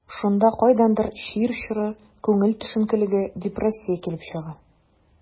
Шунда кайдандыр чир чоры, күңел төшенкелеге, депрессиясе килеп чыга.